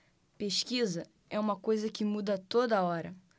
pesquisa é uma coisa que muda a toda hora